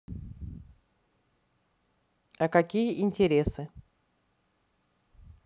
а какие интересы